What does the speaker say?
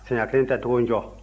siɲɛ kelen tɛ togo ncɔ